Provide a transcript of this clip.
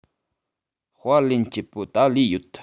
དཔར ལེན སྤྱད པོ ད ལོས ཡོད